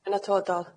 yn atodol.